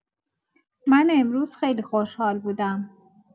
من امروز خیلی خوشحال بودم